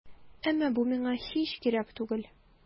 Әмма бу миңа һич кирәк түгел.